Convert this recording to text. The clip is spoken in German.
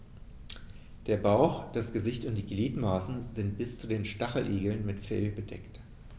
Der Bauch, das Gesicht und die Gliedmaßen sind bei den Stacheligeln mit Fell bedeckt.